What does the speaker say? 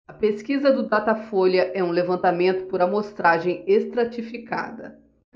a pesquisa do datafolha é um levantamento por amostragem estratificada